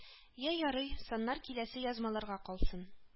Я ярый, саннар киләсе язмаларга калсын